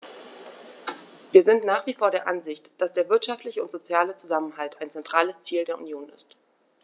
Wir sind nach wie vor der Ansicht, dass der wirtschaftliche und soziale Zusammenhalt ein zentrales Ziel der Union ist.